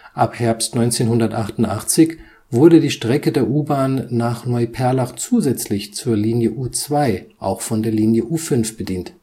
Ab Herbst 1988 wurde die Strecke der U-Bahn nach Neuperlach zusätzlich zur Linie U2 (ehemalige Linie U8) auch von der Linie U5 bedient